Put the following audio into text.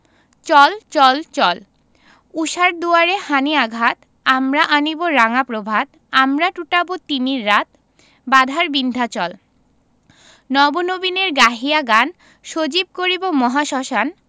চল চল চল ঊষার দুয়ারে হানি' আঘাত আমরা আনিব রাঙা প্রভাত আমরা টুটাব তিমির রাত বাধার বিন্ধ্যাচল নব নবীনের গাহিয়া গান সজীব করিব মহাশ্মশান